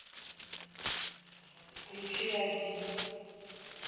включи один